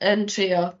yn trio